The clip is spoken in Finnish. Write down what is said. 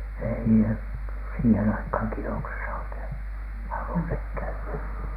ei ne siihen aikaan kinoksessa oikein halunneet käydä